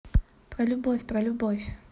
про любовь про любовь